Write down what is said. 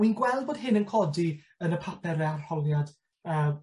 Wi'n gweld bod hyn yn codi yn y papur arholiad yym